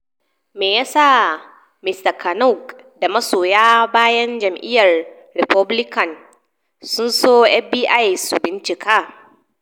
Me yasa Mr Kavanaugh da magoya bayan jam'iyyar Republican sun so FBI su bincika?